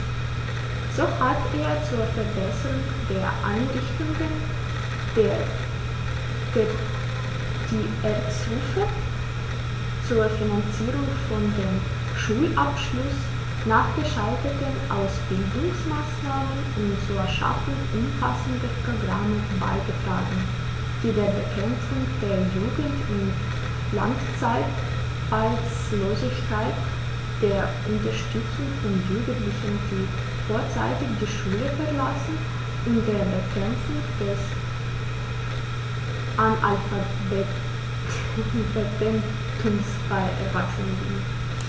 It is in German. So hat er zur Verbesserung der Einrichtungen der Tertiärstufe, zur Finanzierung von dem Schulabschluß nachgeschalteten Ausbildungsmaßnahmen und zur Schaffung umfassender Programme beigetragen, die der Bekämpfung der Jugend- und Langzeitarbeitslosigkeit, der Unterstützung von Jugendlichen, die vorzeitig die Schule verlassen, und der Bekämpfung des Analphabetentums bei Erwachsenen dienen.